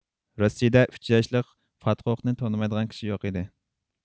رۇسىيەدە ئۈچ ياشلىق فاتغوقنى تونۇمايدىغان كىشى يوق ئىدى